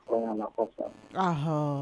Koɔn